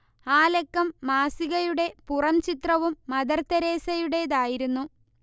ആ ലക്കം മാസികയുടെ പുറംചിത്രവും മദർതെരേസയുടേതായിരുന്നു